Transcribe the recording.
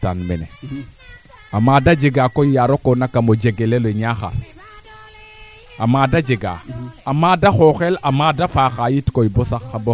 manaam fasaaɓ faa ando naye ko fi no qol xooxum comme ne rewe ina mbiyan goor we naasa nga boo a ndaatale